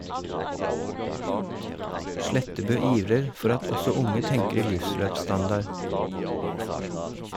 Slettebø ivrer for at også unge tenker livsløpsstandard.